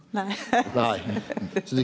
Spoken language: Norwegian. nei .